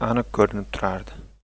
aniq ko'rinib turardi